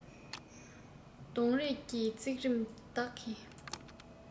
གདོང རས ཀྱི བརྩེགས རིམ བདག གིས